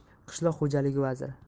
qishloq xo'jaligi vaziri